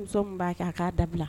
'a kɛ a k'a dabila